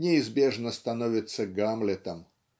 неизбежно становится Гамлетом.